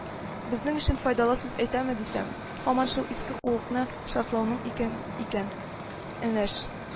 - безнең өчен файдалы сүз әйтәме дисәм, һаман шул иске куыкны шартлатуың икен икән, энеш